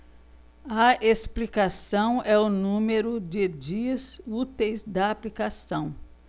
a explicação é o número de dias úteis da aplicação